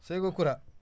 Sego Kura